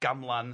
Gamlan.